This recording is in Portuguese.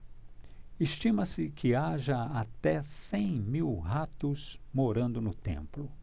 estima-se que haja até cem mil ratos morando no templo